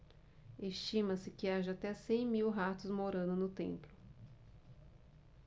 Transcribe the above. estima-se que haja até cem mil ratos morando no templo